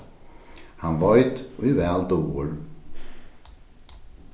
hann veit ið væl dugir